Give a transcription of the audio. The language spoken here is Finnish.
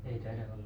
ei taida olla